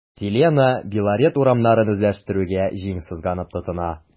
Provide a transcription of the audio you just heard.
“селена” белорет урманнарын үзләштерүгә җиң сызганып тотына.